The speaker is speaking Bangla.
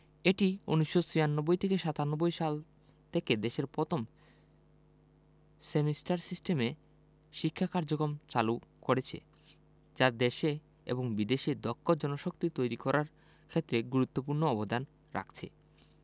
এটি ১৯৯৬ ৯৭ সাল থেকে দেশের পথম সেমিস্টার সিস্টেমে শিক্ষা কার্যকম চালু করেছে যা দেশে এবং বিদেশে দক্ষ জনশক্তি তৈরি করার ক্ষেত্রে গুরুত্বপূর্ণ অবদান রাখছে